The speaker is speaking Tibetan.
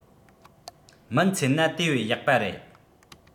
སྨིན ཚད ན དེ བས ཡག པ རེད